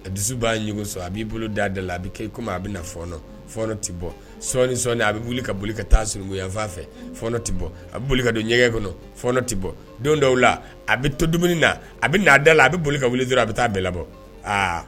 A dusu' ɲ sɔrɔ a b'i bolo d da da la a bɛ ke a bɛ naɔnɔ tɛ bɔ sɔɔni sɔɔni a bɛ wuli ka boli ka taa surunku yan nfan fɛɔnɔ tɛ bɔ a bɛ boli ka don ɲɛgɛn kɔnɔ fɔnɔ tɛ bɔ don dɔw la a bɛ to dumuni na a bɛ'a dala la a bɛ boli ka wuli di a bɛ taa bɛ bɔ aa